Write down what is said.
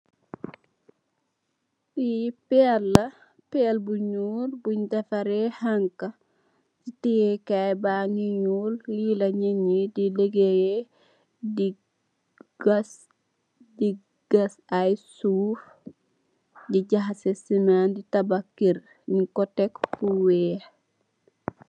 Fii peela, peel bu nyuul bunj defare xanx, si tiyekaay bangi nyuul, li la ninyi di liggeyee, di jas, di jas ay suuf, di jahase siment, tabax ker, nyun ko teg fu weex.